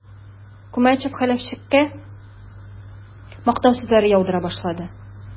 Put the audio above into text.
Күмәчев Хәләфчиккә мактау сүзләре яудыра башлады.